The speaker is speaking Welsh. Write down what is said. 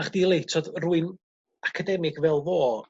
na chdi li t'od rwy'n academig fel fo